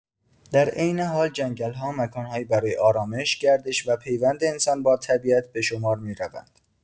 در عین حال جنگل‌ها مکان‌هایی برای آرامش، گردش و پیوند انسان با طبیعت به شمار می‌روند.